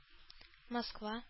Москва